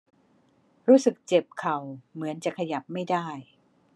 รู้สึกเจ็บเข่าเหมือนจะขยับไม่ได้